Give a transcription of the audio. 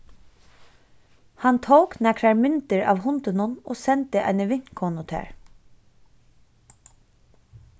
hann tók nakrar myndir av hundinum og sendi eini vinkonu tær